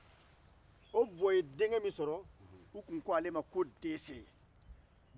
o bɔ ye denkɛ min sɔrɔ u tun ko ale ma ko dɛsɛ